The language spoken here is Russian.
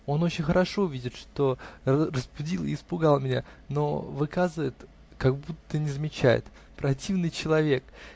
Он очень хорошо видит, что разбудил и испугал меня, но выказывает, как будто не замечает. противный человек!